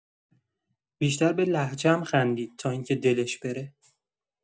بیشتر به لهجه‌ام خندید تا اینکه دلش بره.